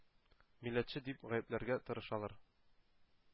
Милләтче дип гаепләргә тырышалар.